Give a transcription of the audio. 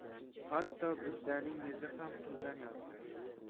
hatto buddaning yuzi ham puldan yorishadi